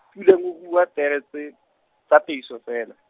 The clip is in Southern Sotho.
Puleng o rua pere tse, tsa Peiso feela.